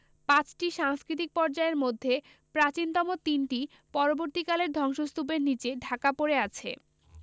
পাঁচটি সাংস্কৃতিক পর্যায়ের মধ্যে প্রাচীনতম তিনটি পরবর্তীকালের ধ্বংস্তূপের নিচে ঢাকা পড়ে আছে